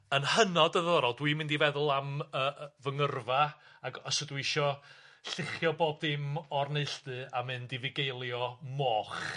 Yn hynod ddiddorol, dwi'n mynd i feddwl am yy yy fy ngyrfa ac os ydw i isio lluchio bob dim o'r neilltu a mynd i fugeilio moch.